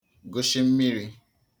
gụshi mmirī